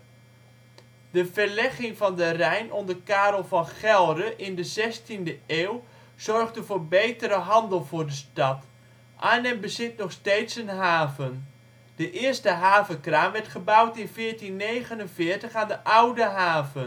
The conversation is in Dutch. verlegging van de Rijn onder Karel van Gelre in de 16e eeuw zorgde voor betere handel voor de stad; Arnhem bezit nog steeds een haven. De eerste havenkraan werd gebouwd in 1449 aan de Oude Haven. In